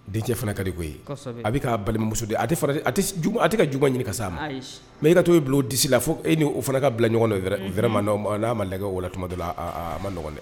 Dencɛ fana kari ko ye a bɛ k'a balimamuso a a tɛ ka j ɲini ka sa a ma mɛ yɛrɛtɔ' bulon disi la fo e ni o fana ka bila ɲɔgɔn dɔ n'a ma lajɛ o tuma di la a maɔgɔn dɛ